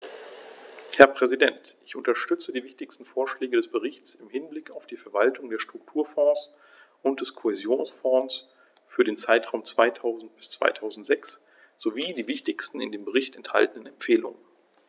Herr Präsident, ich unterstütze die wichtigsten Vorschläge des Berichts im Hinblick auf die Verwaltung der Strukturfonds und des Kohäsionsfonds für den Zeitraum 2000-2006 sowie die wichtigsten in dem Bericht enthaltenen Empfehlungen.